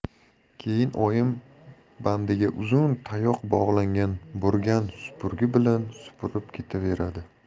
keyin oyim bandiga uzun tayoq bog'langan burgan supurgi bilan supurib ketaveradi